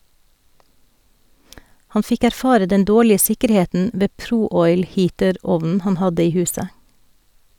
Han fikk erfare den dårlige sikkerheten ved Pro Oil Heater-ovnen han hadde i huset.